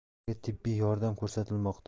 ularga tibbiy yordam ko'rsatilmoqda